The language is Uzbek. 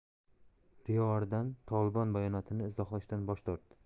riordan tolibon bayonotini izohlashdan bosh tortdi